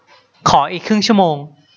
ขออีกครึ่งชั่วโมง